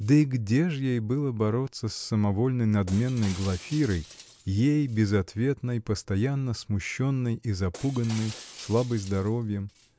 Да и где ж ей было бороться с самовольной, надменной Глафирой, ей, безответной, постоянно смущенной и запуганной, слабой здоровьем?